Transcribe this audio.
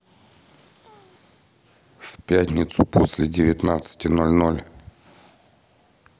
в пятницу после девятнадцати ноль ноль